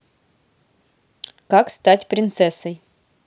как стать принцессой